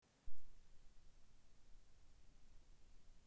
включи композицию экспонат группы ленинград